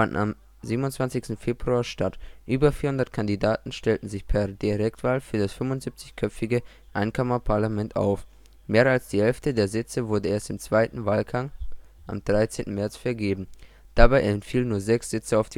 am 27. Februar statt. Über 400 Kandidaten stellten sich per Direktwahl für das 75-köpfige Einkammerparlament auf. Mehr als die Hälfte der Sitze wurde erst im zweiten Wahlgang am 13. März vergeben, dabei entfielen nur 6 Sitze auf